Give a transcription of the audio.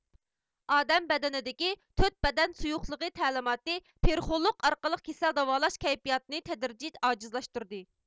ئادەم بەدىنىدىكى تۆت بەدەن سۇيۇقلۇقى تەلىماتى پېرىخونلۇق ئارقىلىق كېسەل داۋالاش كەيپىياتىنى تەدرىجىي ئاجىزلاشتۇردى